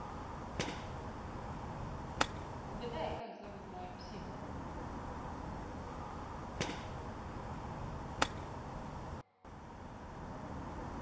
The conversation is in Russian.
угадай как зовут мою псинку